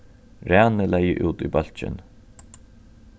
rani legði út í bólkin